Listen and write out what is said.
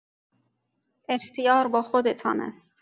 اختیار با خودتان است.